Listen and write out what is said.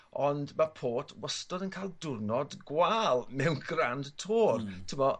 ond ma' Port wastod yn ca'l diwrnod gwâl mewn grand toir. Hmm. T'bo?